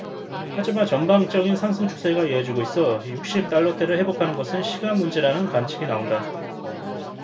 하지만 전반적인 상승 추세가 이어지고 있어 육십 달러대를 회복하는 것은 시간문제라는 관측이 나온다